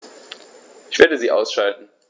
Ich werde sie ausschalten